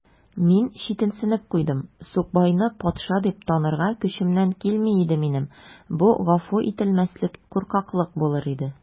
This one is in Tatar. Мин читенсенеп куйдым: сукбайны патша дип танырга көчемнән килми иде минем: бу гафу ителмәслек куркаклык булыр иде.